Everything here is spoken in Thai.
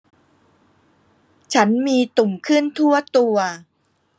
ฉันมีตุ่มขึ้นทั่วตัว